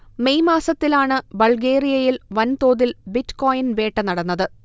May മാസത്തിലാണ് ബൾഗേറിയയിൽ വൻതോതിൽ ബിറ്റ്കോയിൻ വേട്ട നടന്നത്